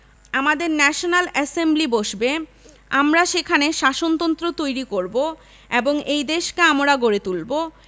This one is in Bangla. আমাদের ন্যাশনাল এসেম্বলি বসবে আমরা সেখানে শাসনতন্ত্র তৈরী করবো এবং এই দেশকে আমরা গড়ে তুলবো